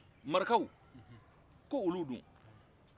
marakaw ko olu dun